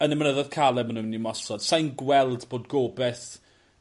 yn y mynyddo'dd caled ma' n'w myn' i ymosod sai'n gweld bod gobeth